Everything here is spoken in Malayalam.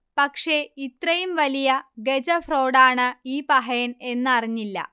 പക്ഷേ ഇത്രയും വലിയ ഗജഫ്രോഡാണ് ഈ പഹയൻ എന്നറിഞ്ഞില്ല